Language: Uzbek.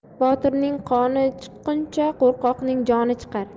botirning qoni chiqquncha qo'rqoqning joni chiqar